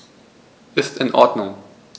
Ist in Ordnung.